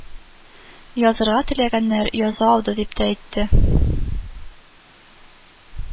Язырга теләгәннәр яза алды дип тә әйтте